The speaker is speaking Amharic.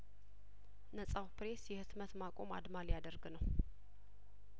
ነጻው ፕሬስ የህትመት ማቆም አድማ ሊያደርግ ነው